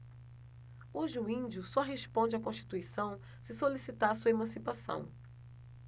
hoje o índio só responde à constituição se solicitar sua emancipação